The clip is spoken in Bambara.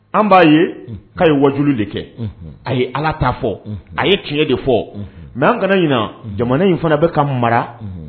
An b'a ye ka ye waju de kɛ a ye ala t'a fɔ a ye tiɲɛ de fɔ mɛ an kana ɲin jamana in fana bɛ ka mara